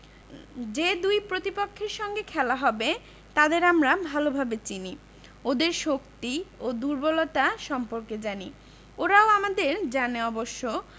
যে দুই প্রতিপক্ষের সঙ্গে খেলা হবে তাদের আমরা ভালোভাবে চিনি ওদের শক্তি ও দুর্বলতা সম্পর্কে জানি ওরাও আমাদের জানে অবশ্য